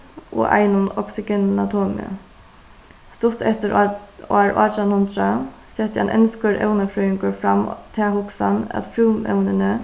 og einum oxygenatomi stutt eftir ár átjan hundrað setti ein enskur evnafrøðingur fram ta hugsan at